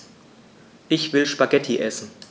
Ich will Spaghetti essen.